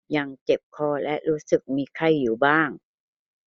ยังเจ็บคอและรู้สึกมีไข้อยู่บ้าง